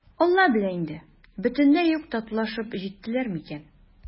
«алла белә инде, бөтенләй үк татулашып җиттеләрме икән?»